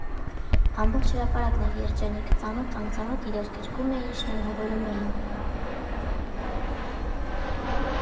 Ամբողջ հրապարակն էր երջանիկ, ծանոթ֊անծանոթ իրար գրկում էին, շնորհավորում էին։